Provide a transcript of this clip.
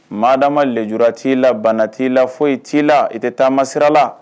Madama lajɛjulara t'i la bana t'i la foyi t'i la i tɛ taama sira la